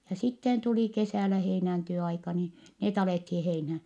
ja sitten tuli kesällä heinänteon aika niin ne alettiin heinään